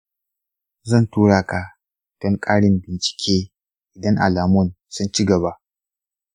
zan tura ka don ƙarin bincike idan alamun sun ci gaba.